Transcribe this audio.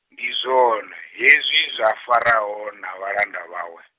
ndi zwone, hezwi zwa Faraho na vhalanda vhawe.